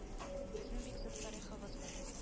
Безнең бик зур тарихыбыз бар